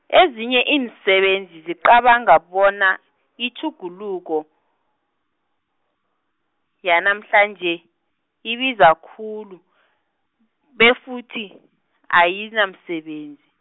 ezinye iinsebenzi ziqabanga bona, itjhuguluko, yanamhlanje, ibiza khulu , befuthi, ayinamsebenzi.